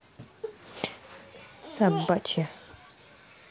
собачья